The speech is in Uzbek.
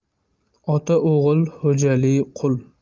otali o'g'il xo'jali qul